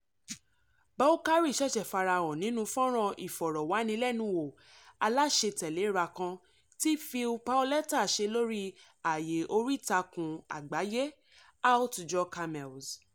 Boukary ṣẹ̀ṣẹ̀ farahàn nínú fọ́nràn ìfòròwánilénuwò aláṣetẹ̀léra kan tí Phil Paoletta ṣe lórí àyè oríìtakùn àgbáyé How to Draw Camels.